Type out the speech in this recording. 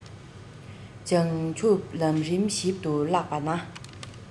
བྱང ཆུབ ལམ རིམ ཞིབ ཏུ བཀླགས པ ན